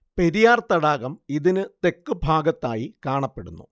പെരിയാർ തടാകം ഇതിന് തെക്കു ഭാഗത്തായി കാണപ്പെടുന്നു